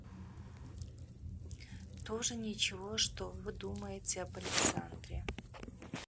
тоже ничего что вы думаете об александре